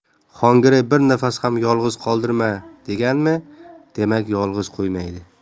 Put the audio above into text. xongirey bir nafas ham yolg'iz qoldirma deganmi demak yolg'iz qo'ymaydi